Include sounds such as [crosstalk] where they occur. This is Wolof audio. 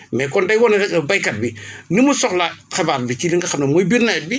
mais kon day wane rek béykat bi [breath] ni mu soxlaa xabaar bi ci li nga xam ne mooy biir nawet bi